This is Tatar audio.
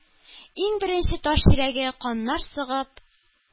Иң беренче таш йөрәге каннар сыгып,